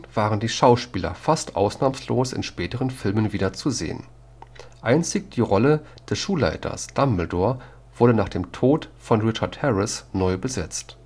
waren die Schauspieler fast ausnahmslos in den späteren Filmen wieder zu sehen. Einzig die Rolle des Schulleiters Dumbledore wurde nach dem Tod von Richard Harris neu besetzt